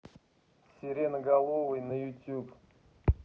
сиреноголовый на ютюб